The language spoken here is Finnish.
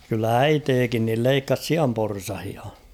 kyllä äitikin niin leikkasi sianporsaita